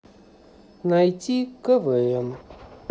найти квн